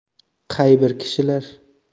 qay bir kishilar